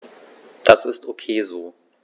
Das ist ok so.